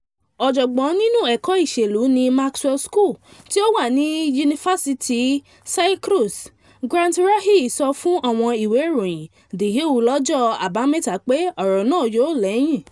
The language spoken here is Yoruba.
Ọ̀jọ̀gbọ́n nínú ẹ̀kọ́ ìṣèlú ní Maxwell School tí ó wà ní Yunifásítì Syracuse Grant Reheer ṣọ fún àwọn ìwé ìròyìn The Hill lọ́jọ́ Àbámẹ́ta pé ọ̀rọ̀ náà yóò lẹ́yìn.